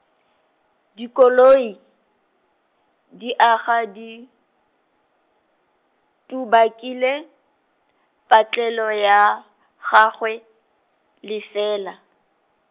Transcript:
dikoloi, di aga di, tubakile, patlelo ya, gagwe, lefela.